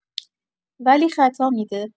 ولی خطا می‌ده